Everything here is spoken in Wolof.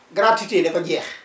gratuité dafa jeex